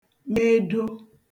medo